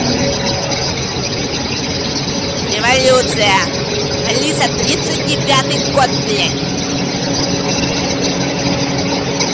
революция алиса тридцать девятый год блядь